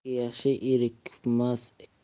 ikki yaxshi erikmas